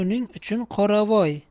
uning uchun qoravoy